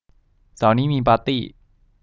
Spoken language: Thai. เสาร์นี้มีปาร์ตี้